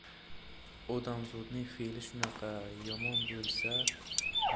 odamzodning feli shunaqa yomon bo'lsa